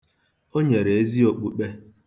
O nyere ezi okpukpe.